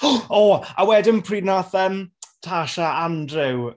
O a wedyn pryd wnaeth, yym, Tash a Andrew.